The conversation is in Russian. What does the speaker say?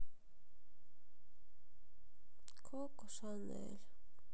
коко шанель